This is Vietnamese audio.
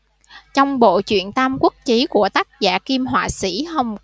trong bộ truyện tam quốc chí của tác giả kiêm họa sĩ hồng